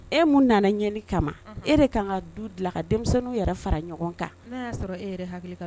E nana kama e ka yɛrɛ fara ɲɔgɔn kan